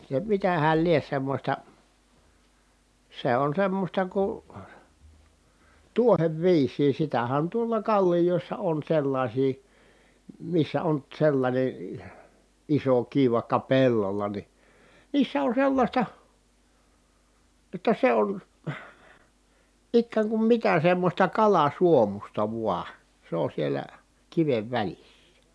se mitähän lie semmoista se on semmoista kun tuoreviisiä sitähän tuolla kallioissa on sellaisia missä on sellainen iso kivi vaikka pellolla niin niissä on sellaista jotta se on ikään kuin mitä semmoista kalasuomuista vain se on siellä kiven välissä